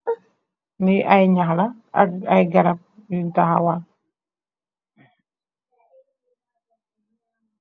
Li ay nhaax la ak ay garab yun tahawal.